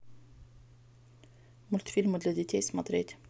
мультфильмы для детей смотреть